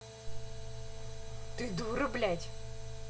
ты дура блядь